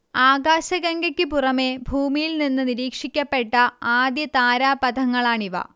ആകാശഗംഗയ്ക്ക് പുറമെ ഭൂമിയിൽ നിന്ന് നിരീക്ഷിക്കപ്പെട്ട ആദ്യ താരാപഥങ്ങളാണിവ